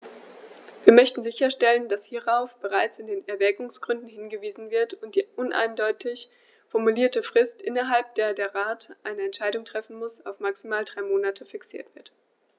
Wir möchten sicherstellen, dass hierauf bereits in den Erwägungsgründen hingewiesen wird und die uneindeutig formulierte Frist, innerhalb der der Rat eine Entscheidung treffen muss, auf maximal drei Monate fixiert wird.